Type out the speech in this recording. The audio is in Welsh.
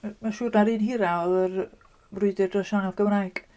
M- mae'n siŵr na'r un hira oedd yr brwydr dros sianel Gymraeg.